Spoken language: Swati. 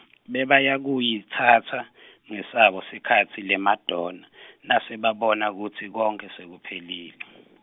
Bebayakuyitsatsa , ngesabo sikhatsi leMadonna , nasebabona kutsi konkhe, sekuphelile.